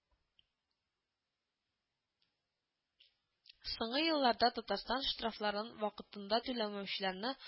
Соңгы елларда Татарстан штрафларын вакытында түләмәүчеләрне